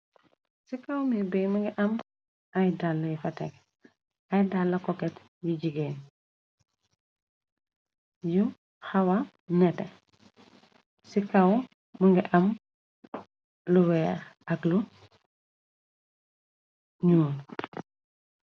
Ci kaw mirbi më ngi am ay dàlla yu fateg ay dalla koket yu jigéen yu xawa nete ci kaw mu nge am lu weex ak lu ñyuul.